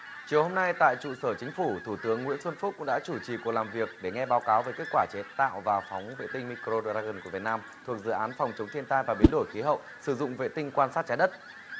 chiều hôm nay tại trụ sở chính phủ thủ tướng nguyễn xuân phúc cũng đã chủ trì cuộc làm việc để nghe báo cáo về kết quả chế tạo và phóng vệ tinh mi cờ rô đờ ra gừn của việt nam thuộc dự án phòng chống thiên tai và biến đổi khí hậu sử dụng vệ tinh quan sát trái đất